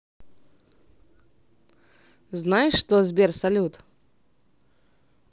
знаешь что сбер салют